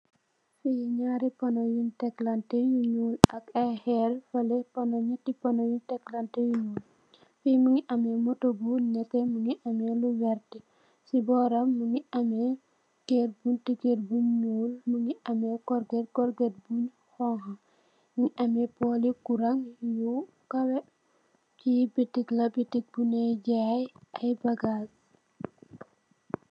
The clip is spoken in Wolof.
Fii nyaari pono nyun teglante yu nyuul, ak ay xeer, fale pono, nyaati pono yun teglante yu nyuul, fii mingi ame moto bu nete, mingi ame lu werta, si booram mingi ame lu ker, buntu ker bu nyuul, mingi ame korget, korget bu xonxa, mingi ame poli korang yu kawe, fi biti la, biti bu ne jaay ay bagaas.